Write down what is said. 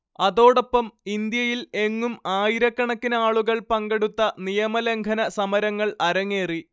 അതോടൊപ്പം ഇന്ത്യയിൽ എങ്ങും ആയിരക്കണക്കിനാളുകൾ പങ്കെടുത്ത നിയമലംഘന സമരങ്ങൾ അരങ്ങേറി